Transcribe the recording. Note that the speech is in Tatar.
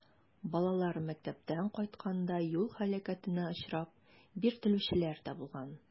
Балалар мәктәптән кайтканда юл һәлакәтенә очрап, биртелүчеләр дә булган.